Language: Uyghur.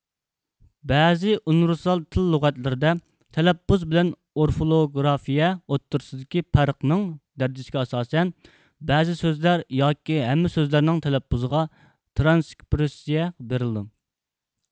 بەزى ئۇنىۋېرسال تىل لۇغەتلىرىدە تەلەپپۇز بىلەن ئورفوگرافىيە ئوتتۇرىسىدىكى پەرقنىڭ دەرىجىسىگە ئاساسەن بەزى سۆزلەر ياكى ھەممە سۆزلەرنىڭ تەلەپپۇزىغا ترانسكرىپسىيە بېرىلىدۇ